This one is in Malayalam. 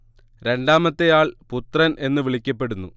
രണ്ടാമത്തെ ആൾ പുത്രൻ എന്ന് വിളിക്കപ്പെടുന്നു